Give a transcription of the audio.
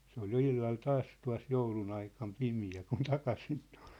se oli jo illalla taas tuossa joulun aikana pimeä kun takaisin tuli